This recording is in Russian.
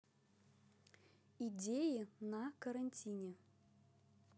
идеи на карантине